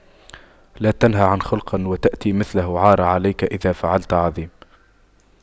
لا تنه عن خلق وتأتي مثله عار عليك إذا فعلت عظيم